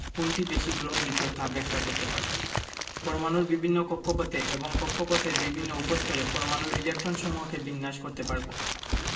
কোনটি বেশি গ্রহণযোগ্য তা ব্যাখ্যা করতে পারব পরমাণুর বিভিন্ন কক্ষপথে এবং কক্ষপথের বিভিন্ন উপস্তরে পরমাণুর ইলেকট্রনসমূহকে বিন্যাস করতে পারব